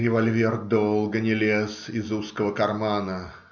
Револьвер долго не лез из узкого кармана